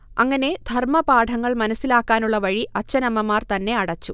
അങ്ങനെ ധർമപാഠങ്ങൾ മനസ്സിലാക്കാനുള്ള വഴി അച്ഛനമ്മമാർതന്നെ അടച്ചു